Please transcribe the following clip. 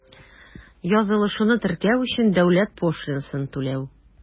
Язылышуны теркәү өчен дәүләт пошлинасын түләү.